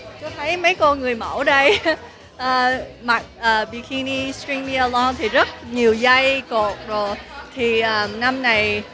chú thấy mấy cô người mẫu đây ờ mặc ờ bi ki ni xờ trinh mi ờ lo thì rất nhiều dây cột đồ thì năm này